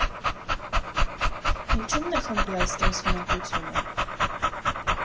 Ինչու՞մն է խմբի այս կենսունակությունը։